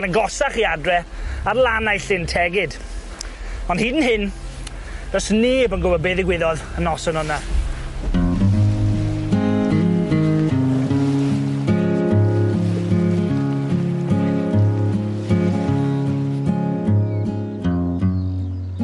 yn agosach i adre ar lannau Llyn Tegid ond hyd yn hyn do's neb yn gwbod be' ddigwyddodd y noson yna.